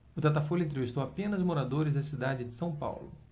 o datafolha entrevistou apenas moradores da cidade de são paulo